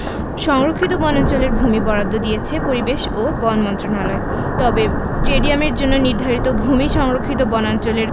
সংরক্ষিত বনাঞ্চলের ভূমি বরাদ্দ দিয়েছে পরিবেশ ও বন মন্ত্রণালয় তবে স্টেডিয়ামের জন্য নির্ধারিত ভূমি সংরক্ষিত বনাঞ্চলের